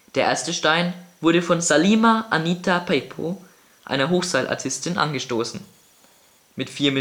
erste Stein wurde von Salima Anita Peippo, einer Hochseilartistin, angestoßen. Mit 4.345.027